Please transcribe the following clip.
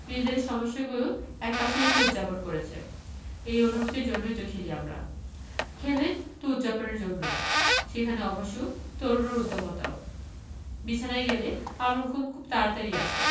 নিজেদের সমস্যাগুলো একপাশে রেখে উদ্যাপন করছে এই অনুভূতির জন্যই তো খেলি আমরা খেলেন তো উদ্যাপনের জন্যও সেখানে অবশ্য তরুণের উদ্দামতা বিছানায় গেলে আমার ঘুম খুব তাড়াতাড়িই আসে